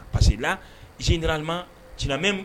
Parce que la généralement c'est la même